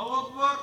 Ɔ ko